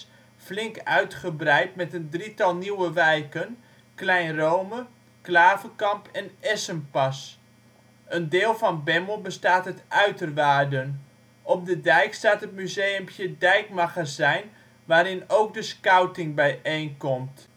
flink uitgebreid met een drietal nieuwe wijken: Klein Rome, Klaverkamp en Essenpas. Een deel van Bemmel bestaat uit uiterwaarden. Op de dijk staat het museumpje Dijkmagazijn, waarin ook de Scouting bijeenkomt